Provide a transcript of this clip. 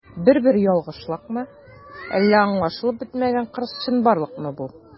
Бер-бер ялгышлыкмы, әллә аңлашылып бетмәгән кырыс чынбарлыкмы бу?